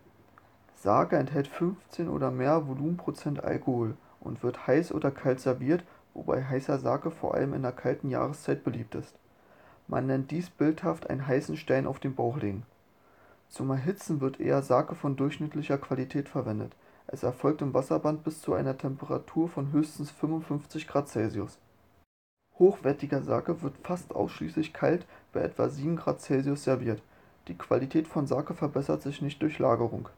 Sake enthält 15 oder mehr Volumenprozent Alkohol und wird heiß oder kalt serviert, wobei heißer Sake vor allem in der kalten Jahreszeit beliebt ist. Man nennt dies bildhaft „ einen heißen Stein auf den Bauch legen “. Zum Erhitzen wird eher Sake von durchschnittlicher Qualität verwendet, es erfolgt im Wasserbad bis zu einer Temperatur von höchstens 55 °C. Hochwertiger Sake wird fast ausschließlich kalt bei etwa 7 °C serviert. Die Qualität von Sake verbessert sich nicht durch Lagerung